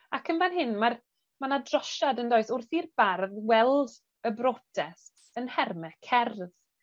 Ac yn fan hyn ma'r ma' 'na drosiad yndoes wrth i'r bardd weld y brotest yn nherme cerdd.